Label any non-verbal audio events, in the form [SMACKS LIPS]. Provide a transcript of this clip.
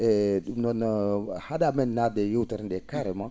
eeyi ?um noon hade amen naatde e yeewtere nde [SMACKS LIPS] carrément